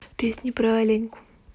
песни про оленьку